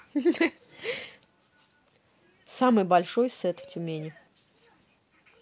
самый большой сет в тюмени